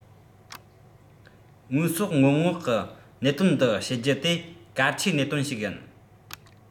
དངོས ཟོག སྔོན མངག གི གནད དོན འདི བྱེད རྒྱུ དེ གལ ཆེའི གནད དོན ཞིག ཡིན